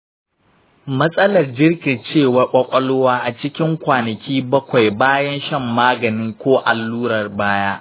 matsalar jirkicewar ƙwaƙwalwa a cikin kwanaki bakwai bayan shan magani ko allurar baya